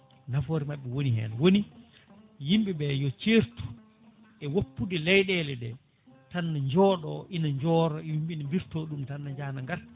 nafoore mabɓe woni hen woni yimɓeɓe yooɓe certu e hoppude leyɗele ɗe tan no jooɗo ina joora yimɓe ne mbirto ɗum tan ne jaaha ne garta